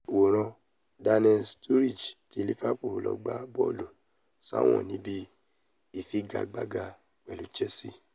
Wòran: Daniel Sturridge ti Liverpool ló gbá bọ́ọ̀lù sáwọ̀n níbi ìfigagbága pẹ̀lú Chelsea